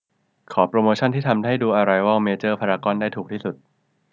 ขอโปรโมชันที่ทำให้ดูอะไรวอลที่เมเจอร์พารากอนได้ถูกที่สุด